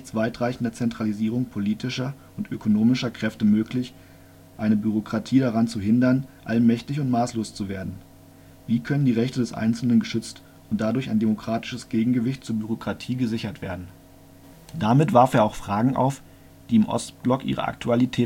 weitreichender Zentralisierung politischer und ökonomischer Kräfte möglich, eine Bürokratie daran zu hindern, allmächtig und maßlos zu werden? Wie können die Rechte des Einzelnen geschützt und dadurch ein demokratisches Gegengewicht zur Bürokratie gesichert werden? “Damit warf er auch Fragen auf, die im Ostblock ihre Aktualität zeigten